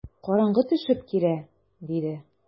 Караңгы төшеп килә, - диде.